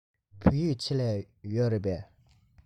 བོད ཡིག ཆེད ལས ཡོད རེད པས